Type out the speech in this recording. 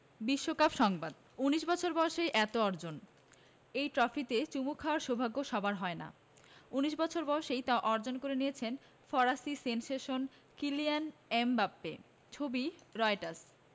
বিশ্বকাপ সংবাদ ১৯ বছর বয়সেই এত অর্জন এই ট্রফিতে চুমু খাওয়ার সৌভাগ্য সবার হয় না ১৯ বছর বয়সেই তা অর্জন করে নিয়েছেন ফরাসি সেনসেশন কিলিয়ান এমবাপ্পে ছবি রয়টার্স